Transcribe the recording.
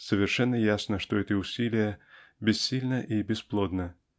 Совершенно ясно, что это усилие бессильно и бесплодно.